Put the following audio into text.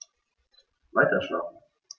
Weiterschlafen.